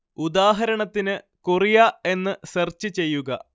ഉദാഹരണത്തിന് കൊറിയ എന്ന് സെർച്ച് ചെയ്യുക